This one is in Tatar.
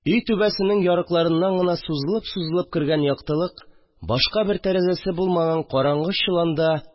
Өй түбәсенең ярыкларынан гына сузылып-сузылып кергән яктылык, башка бер тәрәзәсе булмаган караңгы чоланда